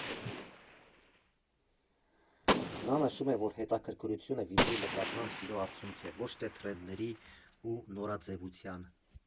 Նա նշում է, որ հետաքրքրությունը վինիլի նկատմամբ սիրո արդյունք է, ոչ թե թրենդերի ու նորաձևության։